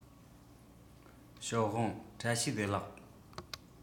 ཞའོ ཝང བཀྲ ཤིས བདེ ལེགས